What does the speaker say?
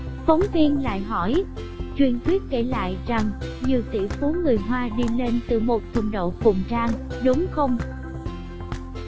phóng viên truyền thuyết kể lại rằng nhiều tỷ phú người hoa đi lên từ một thùng đậu phụng rang đúng không